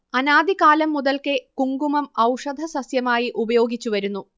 അനാദി കാലം മുതൽക്കേ കുങ്കുമം ഔഷധസസ്യമായി ഉപയോഗിച്ചുവരുന്നു